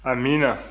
amiina